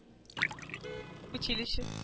Училище